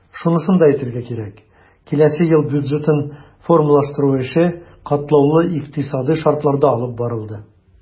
Шунысын да әйтергә кирәк, киләсе ел бюджетын формалаштыру эше катлаулы икътисадый шартларда алып барылды.